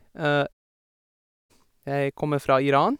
Jeg kommer fra Iran.